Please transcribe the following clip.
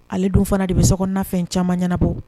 Ale dun fana de bɛ sokɔnɔna fɛn caman ɲɛnabɔ